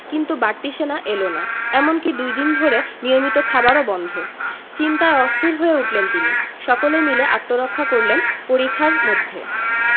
কিন্তু বাড়তি সেনা এলো না এমনকি দুই দিন ধরে নিয়মিত খাবারও বন্ধ চিন্তায় অস্থির হয়ে উঠলেন তিনি সকলে মিলে আত্মরক্ষা করলেন পরিখার মধ্যে